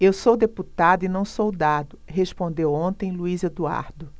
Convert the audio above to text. eu sou deputado e não soldado respondeu ontem luís eduardo